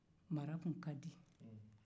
mara tun ka di